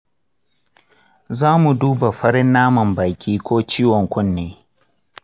za mu duba farin naman baki ko ciwon kunne.